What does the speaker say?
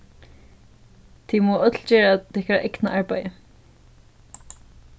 tit mugu øll gera tykkara egna arbeiði